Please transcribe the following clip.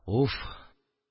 Уф